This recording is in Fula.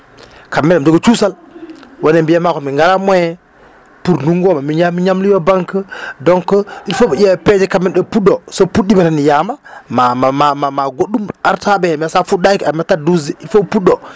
kamɓe ne yo ɓe njogo cuusal woni heen mbiyat maa ko min ngalaa moyen pour ndunngu oo min njaha min ñamloyoo banque donc il faut ɓe ƴeewa peeje kamɓe ne nde ɓe puɗɗoo so ɓe puɗɗiima tan yiyaama ma ma ma goɗɗum ar tawa ɓe heen mais so a fuɗɗaaki a mettat duusde il faut ɓe puɗɗoo